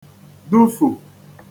dufù